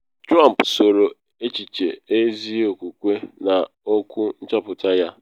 Trump soro echiche ezi okwukwe n’okwu nchịkọta ya.